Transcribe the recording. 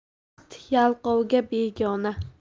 baxt yalqovga begona